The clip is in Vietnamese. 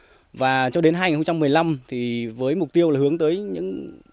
và cho đến hai nghìn không trăm mười lăm thì với mục tiêu là hướng tới những